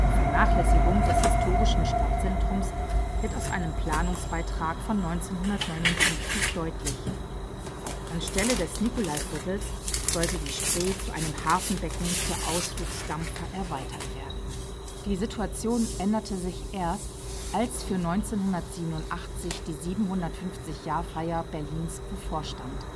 Vernachlässigung des historischen Stadtzentrums wird aus einem Planungsbeitrag von 1959 deutlich: An Stelle des Nikolaiviertels sollte die Spree zu einem Hafenbecken für Ausflugsdampfer erweitert werden. Das Nikolaiviertel von der Fischerinsel aus gesehen, 2002 Die Situation änderte sich erst, als für 1987 die 750-Jahr-Feier Berlins bevorstand